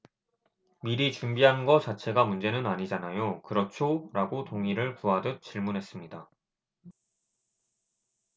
미리 준비한 거 자체가 문제는 아니잖아요 그렇죠 라고 동의를 구하듯 질문했습니다